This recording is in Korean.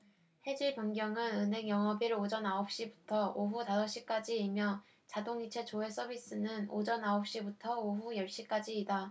해지 변경은 은행 영업일 오전 아홉 시부터 오후 다섯 시까지이며 자동이체 조회 서비스는 오전 아홉 시부터 오후 열 시까지다